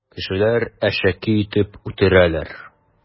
Кешеләр әшәке итеп үтерәләр.